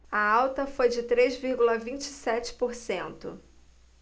a alta foi de três vírgula vinte e sete por cento